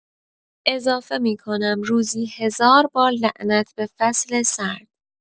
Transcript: اضافه می‌کنم روزی هزار بار لعنت به فصل سرد.